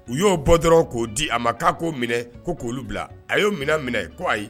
U y'o bɔ dɔrɔn k'o di a ma k'a k'o minɛ ko k'olu bila, a y'o minɛn minɛ ko ayi